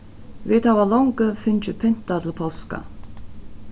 vit hava longu fingið pyntað til páska